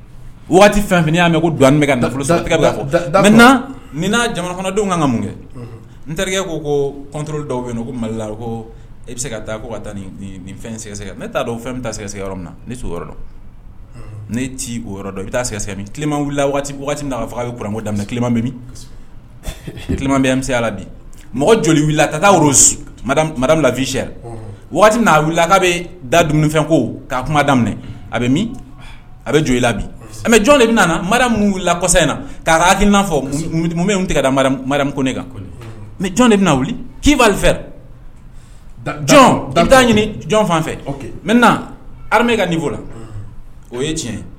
Waati fɛn y' mɛn ko bɛ ka nafolosa ni jamanafanadenw kan ka mun kɛ n terikɛ ko ko kɔn dɔw bɛ yen ko malila ko e bɛ se ka taa ko ka taa ni fɛn sɛgɛsɛgɛ ne taa dɔn o fɛn bɛ taa sɛgɛsɛ yɔrɔ min na ni ne ci o yɔrɔ dɔn i bɛ taa sɛgɛsɛma waati min faga bɛ da mɛ kima bɛ minma bɛya la bi mɔgɔ joli wili ka taa maradala vyɛ waati n' wili' bɛ da dumunifɛn ko k'a kuma daminɛ a bɛ min a bɛ joli i la bi mɛ jɔn de bɛ mara min wili kɔsa in na ka haki n'a fɔ bɛ ko ne kan ni jɔn de bɛ na wuli k'i' fɛ jɔn taa ɲini jɔn fan n na hamɛ ka nin fɔ la o ye tiɲɛ